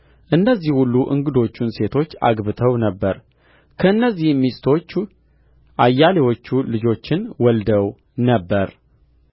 እነዚህ ሁሉ እንግዶቹን ሚስቶች አግብተው ነበር ከእነዚህም ሚስቶች አያሌዎቹ ልጆችን ወልደው ነበር